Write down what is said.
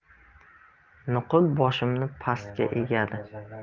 nuqul boshimni pastga egadi